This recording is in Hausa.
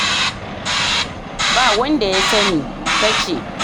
“Ba wanda ya sani,”ta ce.